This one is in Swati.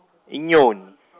Inyoni.